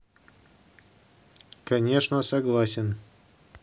конечно согласен